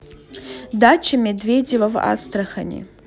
дача медведева в астрахани